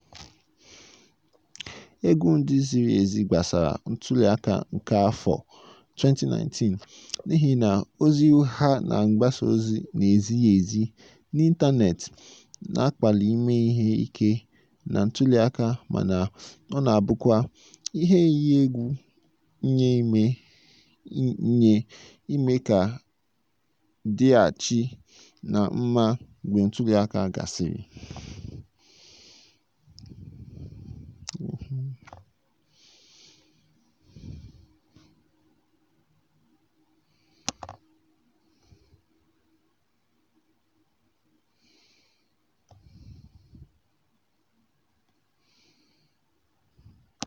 Egwu ndị ziri ezi gbasara ntụliaka nke afọ 2019 n'ihi na ozi ụgha na mgbasa ozi n'ezighi ezi n'ịntaneetị na-akpali ime ihe ike na ntụliaka mana ọ na-abụkwa "ihe iyi egwu nye ime ka a dịghachi ná mma mgbe ntụliaka gasịrị".